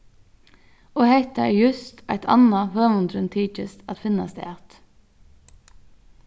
og hetta er júst eitt annað høvundurin tykist at finnast at